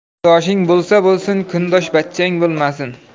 kundoshing bo'lsa bo'lsin kundoshbachchang bo'lmasin